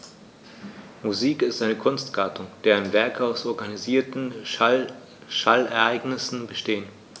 Musik ist eine Kunstgattung, deren Werke aus organisierten Schallereignissen bestehen.